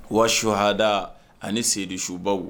Wa su hada ani seyidu suba